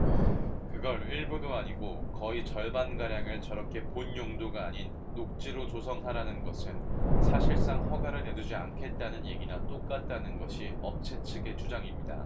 그걸 일부도 아니고 거의 절반가량을 저렇게 본 용도가 아닌 녹지로 조성하라는 것은 사실상 허가를 내주지 않겠다는 얘기나 똑같다는 것이 업체 측의 주장입니다